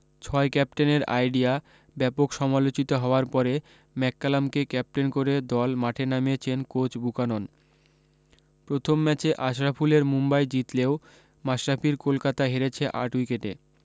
ছয় ক্যাপটেনের আইডিয়া ব্যাপক সমালোচিত হওয়ার পরে ম্যাককালামকে ক্যাপটেন করে দল মাঠে নামিয়েছেন কোচ বুকানন প্রথম ম্যাচে আশরাফুলের মুম্বাই জিতলেও মাশরাফির কোলকাতা হেরেছে আট উইকেটে